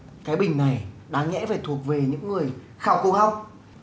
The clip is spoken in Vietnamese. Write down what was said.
cái bình này đáng nhẽ phải thuộc về những người khảo cổ học